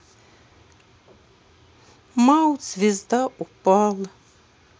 mayot звезда упала